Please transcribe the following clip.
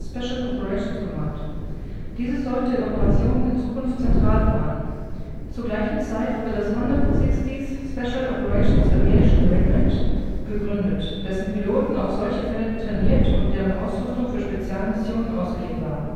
States Special Operations Command. Diese sollte solche Operationen in Zukunft zentral planen. Zur gleichen Zeit wurde das 160th Special Operations Aviation Regiment gegründet, dessen Piloten auf solche Fälle trainiert und dessen Ausrüstung für Spezialmissionen ausgelegt waren